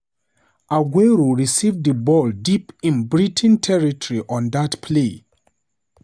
Aguero received the ball deep in Brighton territory on that play.